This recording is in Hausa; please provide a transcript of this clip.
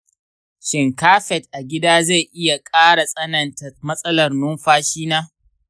shin kafet a gida zai iya ƙara tsananta matsalar numfashina